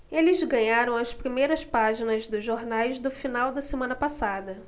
eles ganharam as primeiras páginas dos jornais do final da semana passada